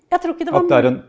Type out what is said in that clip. jeg tror ikke det var.